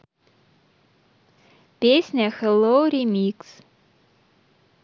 песня hello remix